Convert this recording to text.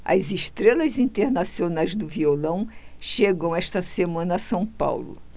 as estrelas internacionais do violão chegam esta semana a são paulo